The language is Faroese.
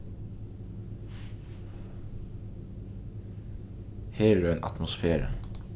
her er ein atmosfera